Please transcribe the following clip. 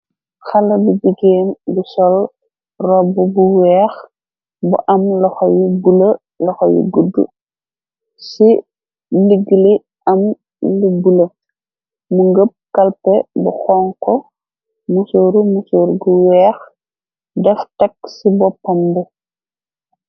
Xale bi jigéen bu sol robb bu weex bu am laxoyu bule laxoyu gudd ci liggli am lig bule mu ngëb kalpe bu xonko mucooru mucoor gu weex def tekk ci boppambi.